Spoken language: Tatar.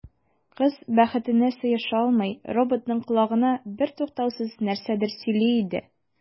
Кыз, бәхетенә сыеша алмый, роботның колагына бертуктаусыз нәрсәдер сөйли иде.